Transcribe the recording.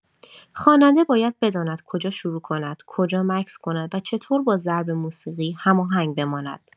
خواننده باید بداند کجا شروع کند، کجا مکث کند و چطور با ضرب موسیقی هماهنگ بماند.